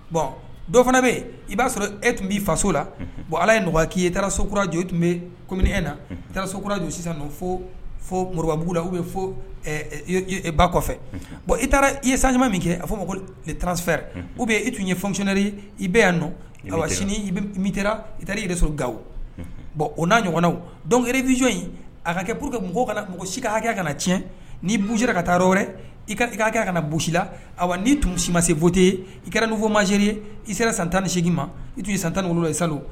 Bon dɔ fana bɛ yen i b'a sɔrɔ e tun b' faso la bon ala ye k' ye i taara sokurara jɔ tun bɛ com e na i taara sokura don sisan fo fo moribabugu la u bɛ fo ba kɔfɛ bɔn taara i ye san min kɛ a fɔ tfɛ u bɛ e tun ye fcɛri i bɛ yan nɔ sini i taara i yɛrɛ sɔrɔ gawo bɔn o'a ɲɔgɔnna donj in a ka kɛ pur mɔgɔ si ka hakɛ ka na tiɲɛ ni'i bosi ka taa i ka kana na gosila a wa ni tun si ma se foyit i kɛra ninfɔ mazeri i sera san tan ni sigi ma i tun ye san tanni ye salo